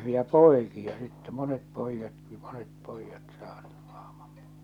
ja poikia sitten monet pojatkin monet pojat saaneet ahman -